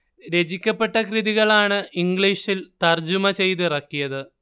രചിക്കപ്പെട്ട കൃതി ആണ് ഇംഗ്ലീഷിൽ തർജ്ജുമ ചെയ്തിറക്കിയത്